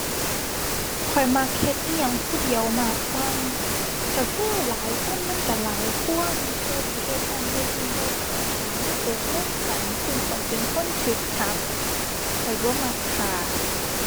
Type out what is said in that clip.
ข้อยมักเฮ็ดอิหยังผู้เดียวมากกว่า ก็คือหลายคนมันก็หลายความ สั่วสิเฮ็ดนั้นเฮ็ดนี้ได้ต้องมาถาม มาตกลงกัน ซึ่งข้อยเป็นคนฉึบฉับ ข้อยบ่มักท่า